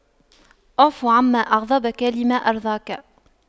اعف عما أغضبك لما أرضاك